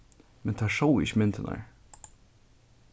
men teir sóu ikki myndirnar